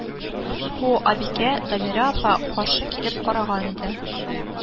Ху абикә дамира апа каршы килеп караган иде